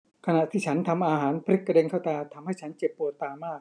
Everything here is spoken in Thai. ขณะที่ฉันทำอาหารพริกกระเด็นเข้าตาทำให้ฉันเจ็บปวดตามาก